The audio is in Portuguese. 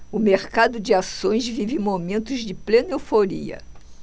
o mercado de ações vive momentos de plena euforia